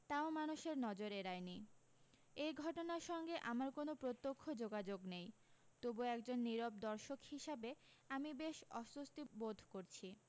তাও মানুষের নজর এড়ায়নি এই ঘটনার সঙ্গে আমার কোনো প্রত্যক্ষ যোগাযোগ নেই তবু একজন নীরব দর্শক হিসাবে আমি বেশ অস্বস্তি বোধ করছি